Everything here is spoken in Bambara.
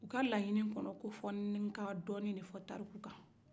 u ka layini kɔnɔ ko fɔ n ka dɔɔni de fɔ tariku kan